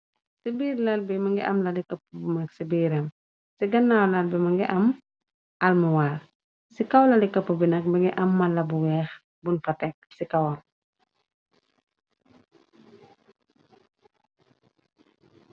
Ci biir lar bi më ngi am lali kapu bu mak ci biiram, ci ganaw lal bi më ngi am almuwaar ci kaw lalikapu bi nag mi ngi am madla bu weex buñ fa tekk ci kawam.